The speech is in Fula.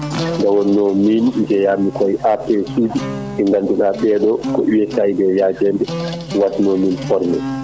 nde wonno min jeeyami koye APS suji ɗi ngannduɗaa ɓeɗo ko USAID yaajede watnomin formé